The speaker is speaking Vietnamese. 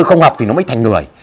không học thì nó mới thành người